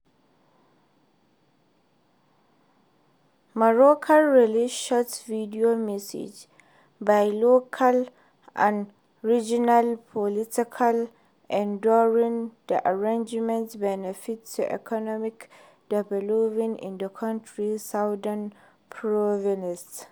Moroccans released short video messages by local and regional politicians endorsing the agreement’s benefits to economic development in the country’s “southern provinces.”